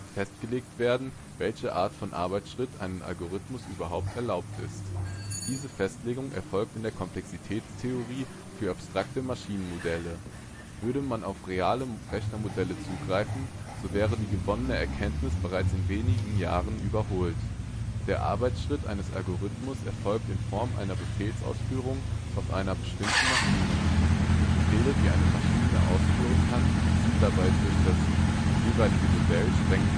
festgelegt werden, welche Art von Arbeitsschritt einem Algorithmus überhaupt erlaubt ist. Diese Festlegung erfolgt in der Komplexitätstheorie über abstrakte Maschinenmodelle – würde man auf reale Rechnermodelle zurückgreifen, so wären die gewonnenen Erkenntnisse bereits in wenigen Jahren überholt. Der Arbeitsschritt eines Algorithmus erfolgt in Form einer Befehlsausführung auf einer bestimmten Maschine. Die Befehle, die eine Maschine ausführen kann, sind dabei durch das jeweilige Modell streng